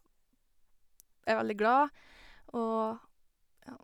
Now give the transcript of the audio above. Jeg er veldig glad, og ja.